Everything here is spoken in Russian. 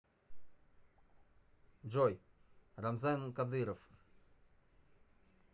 джой рамзан кадыров